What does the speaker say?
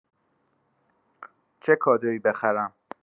چه کادویی بخرم؟